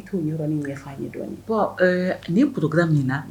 I t'o yɔrɔ min yɛrɛ f' ye dɔɔnin ye bɔn nin pkura min na